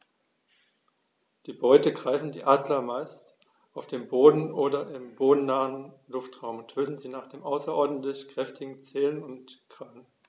Die Beute greifen die Adler meist auf dem Boden oder im bodennahen Luftraum und töten sie mit den außerordentlich kräftigen Zehen und Krallen.